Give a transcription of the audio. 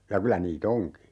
ja kyllä niitä onkin